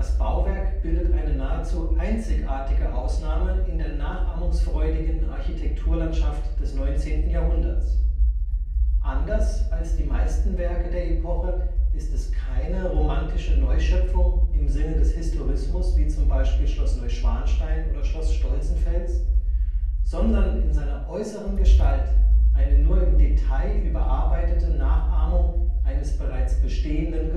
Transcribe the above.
Bauwerk bildet eine nahezu einzigartige Ausnahme in der nachahmungsfreudigen Architekturlandschaft des 19. Jahrhunderts. Anders als die meisten Werke der Epoche ist es keine romantische Neuschöpfung im Sinne des Historismus wie zum Beispiel Schloss Neuschwanstein oder Schloss Stolzenfels, sondern in seiner äußeren Gestalt eine nur im Detail überarbeitete Nachahmung eines bereits bestehenden